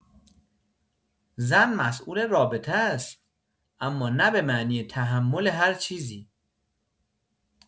زن مسئول رابطه‌ست، اما نه به معنی تحمل هرچیزی.